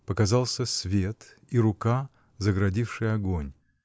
Показался свет и рука, загородившая огонь.